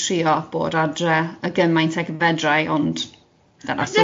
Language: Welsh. trio bod adre y gymaint ag y fedrai, ond dyna sy'n...